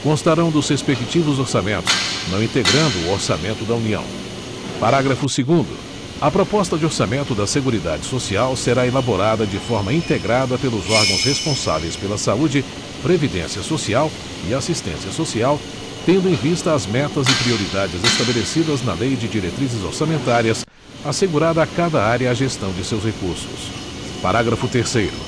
constarão dos respectivos orçamentos não integrando o orçamento da união parágrafo segundo a proposta de orçamento da seguridade social será elaborada de forma integrada pelos órgãos responsáveis pela saúde previdência social e assistência social tendo em vista as metas e prioridades estabelecidas na lei de diretrizes orçamentárias assegurada a cada área a gestão de seus recursos parágrafo terceiro